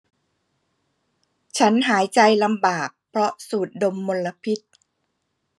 ฉันหายใจลำบากเพราะสูดดมมลพิษ